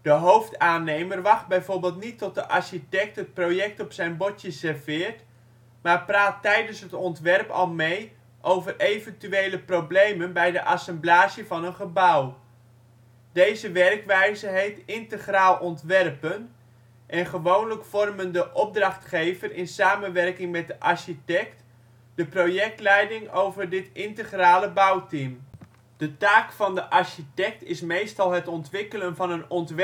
hoofdaannemer wacht bijvoorbeeld niet tot de architect het project op zijn bordje serveert, maar praat tijdens het ontwerp al mee over eventuele problemen bij de assemblage van een gebouw. Deze werkwijze heet integraal ontwerpen, en gewoonlijk vormen de opdrachtgever in samenwerking met de architect de projectleiding over dit integrale bouwteam. De taak van de architect is meestal het ontwikkelen van een ontwerpvisie en een